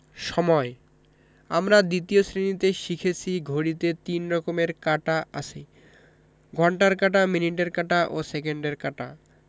সময়ঃ আমরা ২য় শ্রেণিতে শিখেছি ঘড়িতে ৩ রকমের কাঁটা আছে ঘণ্টার কাঁটা মিনিটের কাঁটা ও সেকেন্ডের কাঁটা